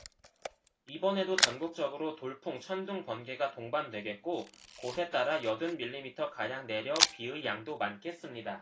이번에도 전국적으로 돌풍 천둥 번개가 동반되겠고 곳에 따라 여든 밀리미터 가량 내려 비의 양도 많겠습니다